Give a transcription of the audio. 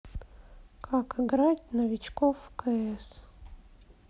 как играть новичков кс